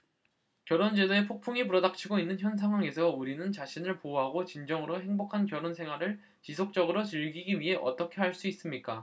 결혼 제도에 폭풍이 불어 닥치고 있는 현 상황에서 우리는 자신을 보호하고 진정으로 행복한 결혼 생활을 지속적으로 즐기기 위해 어떻게 할 수 있습니까